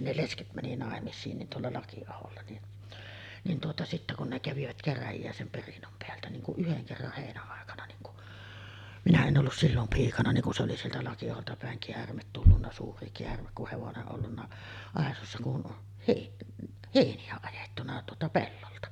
ne lesket meni naimisiin niin tuolla Lakiaholla niin niin tuota sitten kun ne kävivät käräjiä sen perinnön päältä niin kun yhden kerran heinäaikana niin kun minä en ollut silloin piikana niin kun se oli sieltä Lakiaholta päin käärme tullut suuri käärme kun hevonen ollut aisoissa kun - heiniä ajettu tuota pellolta